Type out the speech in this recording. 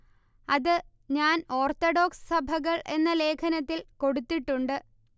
അത് ഞാൻ ഓർത്തഡോക്സ് സഭകൾ എന്ന ലേഖനത്തിൽ കൊടുത്തിട്ടുണ്ട്